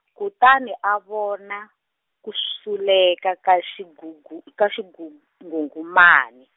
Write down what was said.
kutani a vona, ku swuluka ka xigugu- a xinghunghumani.